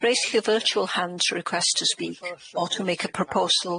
Raise your virtual hand to request to speak or to make a proposal.